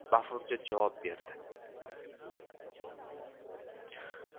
bafurja javob berdi